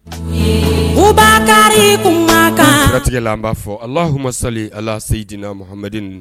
O siratigɛla, b'a fɔ alahuma sali alaa seyidina Muhamadinn